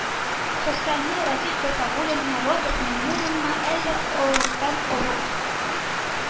Хөсәенне, Рәдиф Гатауллинны, Роберт Миңнуллиннымы, әллә олугтан-олуг